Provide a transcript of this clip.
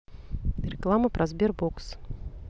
реклама про sberbox